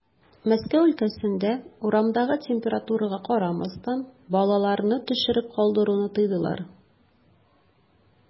Мәскәү өлкәсендә, урамдагы температурага карамастан, балаларны төшереп калдыруны тыйдылар.